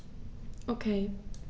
Okay.